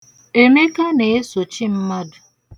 Emeka na-esochi mmadụ.